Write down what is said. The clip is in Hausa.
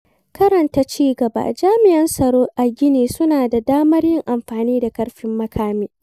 Karanta cigaba: Jami'an tsaro a Gini su na da damar yin amfani da ƙarfin makami.